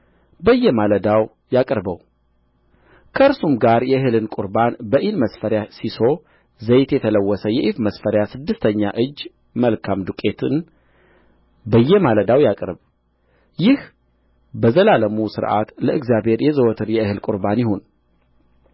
በየማለዳው ያቅርበው ከእርሱም ጋር የእህልን ቍርባን በኢን መስፈሪያ ሢሶ ዘይት የተለወሰ የኢፍ መስፈሪያ ስድስተኛ እጅ መልካም ዱቄትን በየማለዳው ያቅርብ ይህ በዘላለሙ ሥርዓት ለእግዚአብሔር የዘወትር የእህል ቍርባን ይሁን